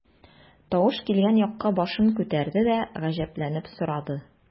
Тавыш килгән якка башын күтәрде дә, гаҗәпләнеп сорады.